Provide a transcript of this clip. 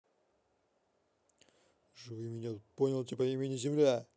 живи меня понял типа имени земля